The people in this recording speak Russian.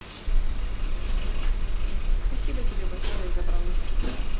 спасибо тебе большое за браузер